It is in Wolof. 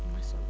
am na solo